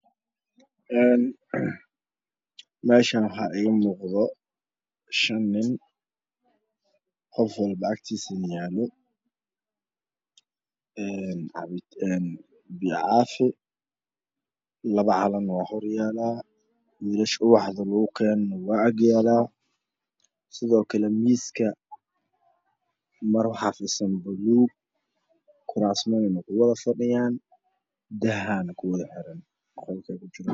Meeshan waxaa iiga muuqdo shan nin qofwalba agtiisa yaalo biyo caafi laba calana waa horyaalan welasha ubaxa lagu keena waa agyalaan sidookale miiska maro waxaa fidsan buluug kuraasmaneyna kuwada fa dhiyaan daahana kuwada xiran qolkey kujiraan